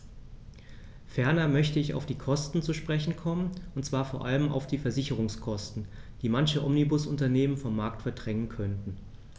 Ferner möchte ich auf die Kosten zu sprechen kommen, und zwar vor allem auf die Versicherungskosten, die manche Omnibusunternehmen vom Markt verdrängen könnten.